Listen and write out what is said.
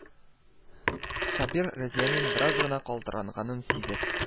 Сабир, Разиянең бераз гына калтыранганын сизеп: